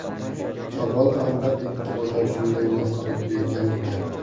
avval ham bir ikki odam shunday maslahat bergan edi